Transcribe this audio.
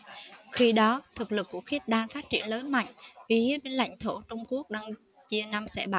khi đó thực lực của khiết đan phát triển lớn mạnh uy hiếp đến lãnh thổ trung quốc đang chia năm xẻ bảy